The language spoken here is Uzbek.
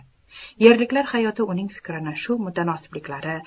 yerliklar hayoti uning fikrini shu nomutanosibliklari